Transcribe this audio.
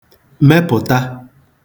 mepụ̀ta